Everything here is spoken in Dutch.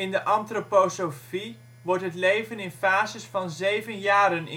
de antroposofie wordt het leven in fases van 7 jaren ingedeeld